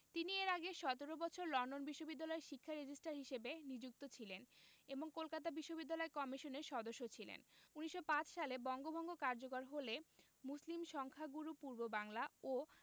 তিনি এর আগে ১৭ বছর লন্ডন বিশ্ববিদ্যালয়ের শিক্ষা রেজিস্ট্রার হিসেবে নিযুক্ত ছিলেন এবং কলকাতা বিশ্ববিদ্যালয় কমিশনের সদস্য ছিলেন ১৯০৫ সালে বঙ্গভঙ্গ কার্যকর হলে মুসলিম সংখ্যাগুরু পূর্ববাংলা ও